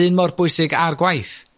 un mor bwysig a'r gwaith.